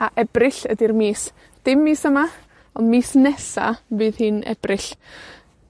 a Ebrill ydi'r mis, dim mis yma, ond mis nesa, fydd hi'n Ebrill.